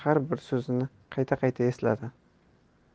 har bir so'zini qayta qayta esladi